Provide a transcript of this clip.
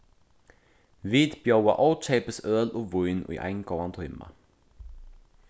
vit bjóða ókeypis øl og vín í ein góðan tíma